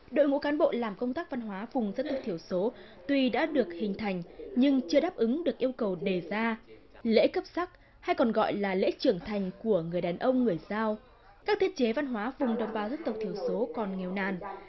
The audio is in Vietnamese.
đội ngũ cán bộ làm công tác văn hóa vùng dân tộc thiểu số tuy đã được hình thành nhưng chưa đáp ứng được yêu cầu đề ra lễ cấp sắc hay còn gọi là lễ trưởng thành của người đàn ông người dao các thiết chế văn hóa vùng đồng bào dân tộc thiểu số còn nghèo nàn